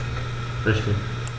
Richtig